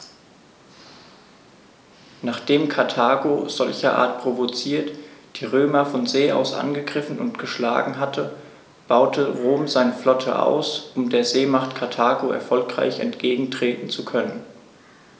Nachdem Karthago, solcherart provoziert, die Römer von See aus angegriffen und geschlagen hatte, baute Rom seine Flotte aus, um der Seemacht Karthago erfolgreich entgegentreten zu können.